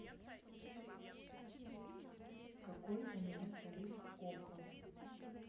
какой у меня тариф окко